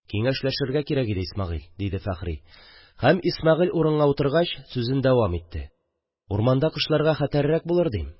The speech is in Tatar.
– киңәшләшергә кирәк иде, исмәгыйль, – диде фәхри һәм, исмәгыйль урынга утыргач, сүзен давам итте: – урманда кышларга хәтәррәк булыр, дим.